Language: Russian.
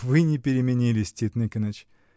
— Вы не переменились, Тит Никоныч!